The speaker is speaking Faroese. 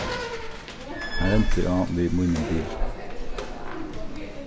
hann rendi á við mínum bili